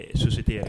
Sosi tɛyara